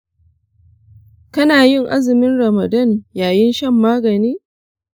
kana yin azumin ramadan yayin shan magani?